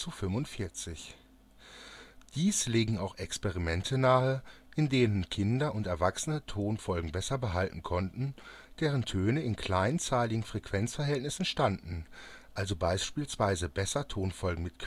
45). Dies legen auch Experimente nahe, in denen Kinder und Erwachsene Tonfolgen besser behalten konnten, deren Töne in kleinzahligen Frequenzverhältnissen standen, also beispielsweise besser Tonfolgen